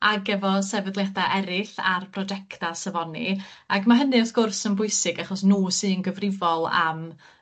Ag efo sefydliada' eryll ar brojecta safoni ac ma' hynny wrth gwrs yn bwysig achos nw sy'n gyfrifol am